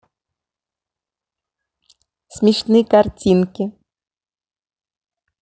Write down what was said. смешные картинки